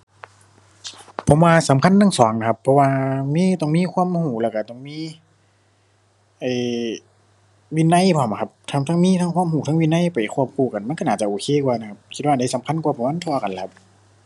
ผมว่าสำคัญทั้งสองล่ะครับ เพราะว่ามี ต้องมีความรู้แล้วรู้ต้องมี ไอ้ วินัยพร้อมครับ ถ้าทั้งมีทั้งความรู้ทั้งวินัยไปควบคู่กันมันรู้น่าจะโอเคกว่านะครับ คิดว่าอันใดสำคัญกว่า ผมว่ามันเท่ากันล่ะครับ